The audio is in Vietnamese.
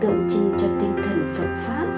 tượng trưng cho tinh thần phật pháp